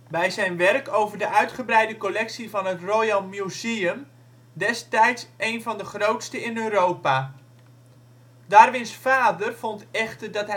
bij zijn werk over de uitgebreide collectie van het Royal Museum, destijds een van de grootste in Europa. Darwins vader vond echter dat